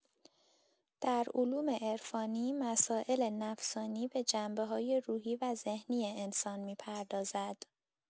در علوم عرفانی، مسائل نفسانی به جنبه‌های روحی و ذهنی انسان می‌پردازد.